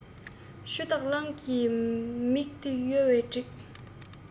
ཆུ འཐག གླང གི མིག དེ ཡོལ བས བསྒྲིབས